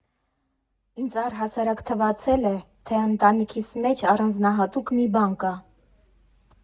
Ինձ առհասարակ թվացել է, թե ընտանիքիս մեջ առանձնահատուկ մի բան կա։